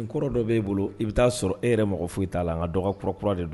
Kɔrɔ dɔ b'e bolo i bɛ taaa sɔrɔ e yɛrɛ mɔgɔ f foyi t' la nka ka dɔgɔkura kura de don